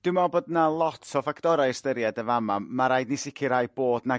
Dwi me'l bod 'na lot o ffactorau i ystyried yn fama. Ma' rhaid i ni sicrhau bod 'na